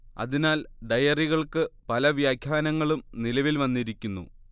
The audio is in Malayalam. അതിനാൽ ഡയറികൾക്ക് പല വ്യാഖ്യാനങ്ങളും നിലവിൽ വന്നിരിക്കുന്നു